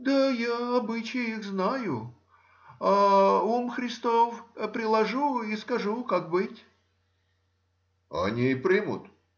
— Да, я обычай их знаю; а ум Христов приложу и скажу, как быть. — Они и примут?